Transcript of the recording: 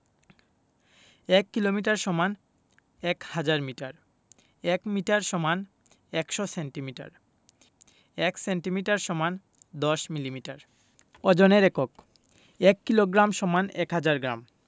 ১ kilometre = ১০০০ metre ১ metre = ১০০ centimetre ১ centimetre = ১০ millimetre ওজনের এককঃ ১ kilogram = ১০০০ গ্রাম